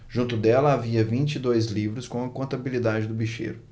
junto dela havia vinte e dois livros com a contabilidade do bicheiro